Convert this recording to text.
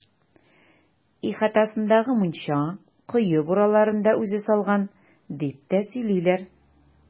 Ихатасындагы мунча, кое бураларын да үзе салган, дип тә сөйлиләр.